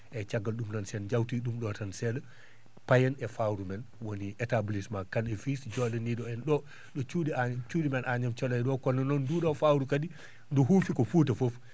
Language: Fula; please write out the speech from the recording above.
eeyi caggal ?um noon si en njawti ?um?o tan see?a payen e fawru men woni établissement Kane et fils jo?ani?o en ?o ?o cuu?i Agname ?o cuu?i men Agname Thiodaye ?o kono noon nduu ?o fawru kadi ndu huufi ko Fuuta fof